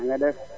nanga def